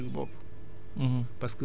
ñoo ko moomal seen bopp